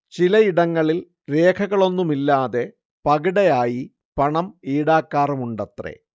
ചിലയിടങ്ങളിൽ രേഖകളൊന്നുമില്ലാതെ 'പകിട'യായി പണം ഈടാക്കാറുമുണ്ടത്രെ